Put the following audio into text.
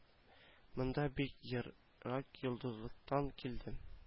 Монда бик ерак йолдызлыктан килдем